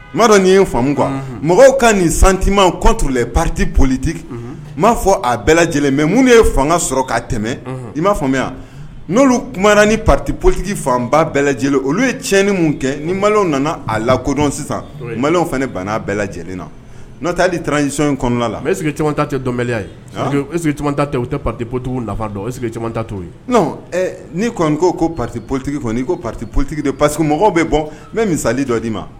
N' dɔn nini ye famu kan mɔgɔw ka nin santima kɔtule pati politigi n m'a fɔ a bɛɛ lajɛlen mɛ minnu ye fanga sɔrɔ k'a tɛmɛ i m'a faamuya n'olu kuma ni pati politigi fanba bɛɛ lajɛlen olu ye tiɲɛni min kɛ ni malow nana a la kodɔn sisan maw fana ne bana bɛɛ lajɛlen na n'a taali tsi in kɔnɔna la e sigike caman ta tɛ dɔnbaliya e ta o tɛ pate politigiw nafa dɔn e caman ta to ye n'i ko ko pate politigi kɔni' ko pate politigi pa que mɔgɔw bɛ bɔ n bɛ misali dɔ d'i ma